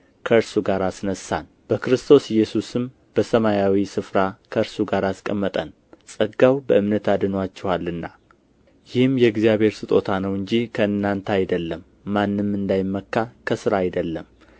ከእርሱ ጋር አስነሣን በክርስቶስ ኢየሱስም በሰማያዊ ስፍራ ከእርሱ ጋር አስቀመጠን ጸጋው በእምነት አድኖአችኋልና ይህም የእግዚአብሔር ስጦታ ነው እንጂ ከእናንተ አይደለም ማንም እንዳይመካ ከሥራ አይደለም